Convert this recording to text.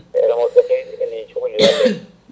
*